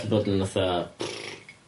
...fod yn fatha